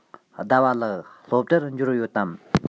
ཟླ བ ལགས སློབ གྲྭར འབྱོར ཡོད དམ